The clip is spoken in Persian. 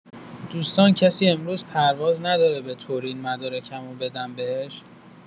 دوستان کسی امروز پرواز نداره به تورین مدارکمو بدم بهش؟